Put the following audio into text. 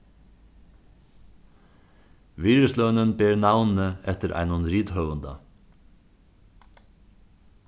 virðislønin ber navnið eftir einum rithøvunda